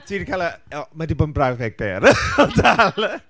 Ti 'di cael e... o, mae 'di bod yn brawddeg byr. Dal.